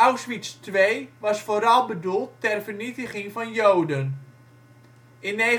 Auschwitz II was vooral bedoeld ter vernietiging van Joden. In 1942